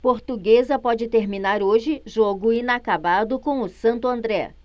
portuguesa pode terminar hoje jogo inacabado com o santo andré